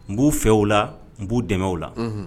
N b'u fɛ u la n b'u dɛmɛw la, unhun.